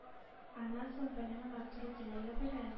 Аннан соң, белемен арттыру теләге белән,